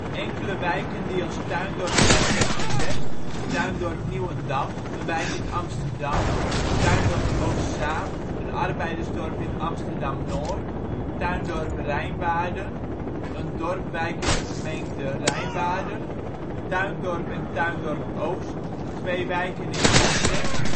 enkele wijken die als tuindorp zijn opgezet: Tuindorp Nieuwendam, een wijk in Amsterdam, Tuindorp Oostzaan, een arbeidersdorp in Amsterdam-Noord, Tuindorp Rijnwaarden, een dorp/wijk in de gemeente Rijnwaarden, Tuindorp (Utrecht) en Tuindorp Oost, twee wijken in Utrecht